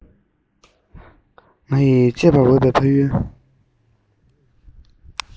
ང ཡི གཅེས པར འོས པའི ཕ ཡུལ